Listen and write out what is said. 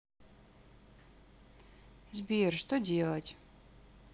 сбер что делать